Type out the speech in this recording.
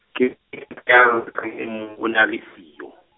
ke , e mong o ne a le siyo.